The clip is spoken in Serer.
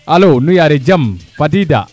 Alo nu yaafe jam fadida